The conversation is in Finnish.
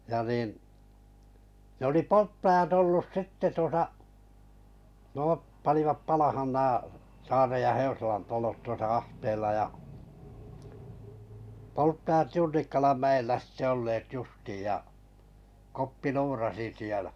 ja niin ne oli polttajat ollut sitten tuossa nuo panivat palamaan nämä Saaren ja Heusalan talot tuossa ahteella ja polttajat Junnikkalan mäellä sitten olleet justiin ja Koppi luurasi siellä